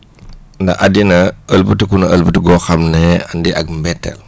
nda àddina ëlbatiku na ëlbatiku goo xam ne andi ag mbetteel